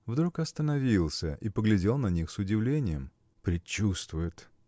вдруг остановился и поглядел на них с удивлением. – Предчувствует!